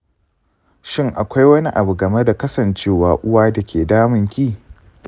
shin akwai wani abu game da kasancewa uwa da ke damunki?